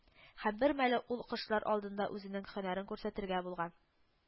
Һәм бермәле ул кошлар алдында үзенең һөнәрен күрсәтергә булган